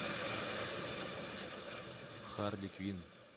харли квинн